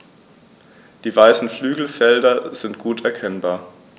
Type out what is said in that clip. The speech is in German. Die weißen Flügelfelder sind gut erkennbar.